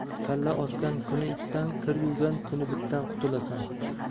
kalla osgan kuni itdan kir yuvgan kuni bitdan qutulasan